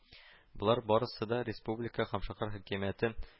Болар барысы да республика һәм шәһәр хакимияте